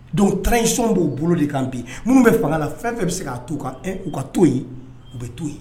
Don ta inc b'o bolo de kan bi minnu bɛ fanga la fɛn fɛn bɛ se k ka u ka to yen u bɛ to yen